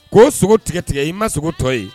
K' sogo tigɛtigɛ i ma sogotɔ ye